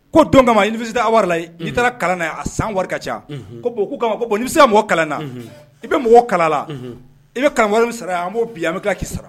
Ko dɔn kama i a warila i taara kalan na a san wari ka ca bɔn k'u kama se a mɔgɔ kalan na i bɛ mɔgɔ kalala i bɛ kalan min sara b' bi an bɛ ka ki sara